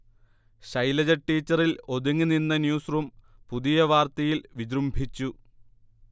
ശൈലജ ടീച്ചറിൽ ഒതുങ്ങിനിന്ന ന്യൂസ്റൂം പുതിയ വാർത്തയിൽ വിജൃംഭിച്ചു